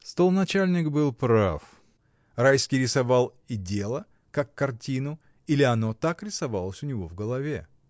Столоначальник был прав: Райский рисовал и дело, как картину, или оно так рисовалось у него в голове.